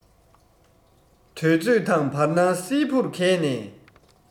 དུས ཚོད དང བར སྣང སིལ བུར གས ནས